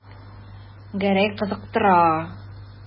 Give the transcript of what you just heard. Гәрәй кызыктыра.